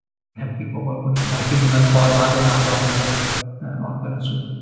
helpu pobol bo' ni'n helpu nw mewn ffordd adeladol fel o'dd yy o'dd